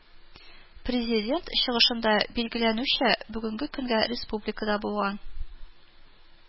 Президент чыгышында билгеләнүенчә, бүгенге көнгә республикада булган